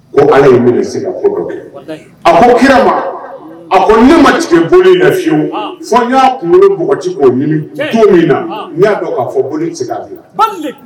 Ko allah in mana se ka ko dɔ kɛ, wallahi unhun, a ko kira ma , a ko ne ma tigɛ boli la fiyewu fɔ n y'a kunkolo bɔgɔti k'a mini don min na, n y'a dɔn k'a fɔ ko boli ti se ka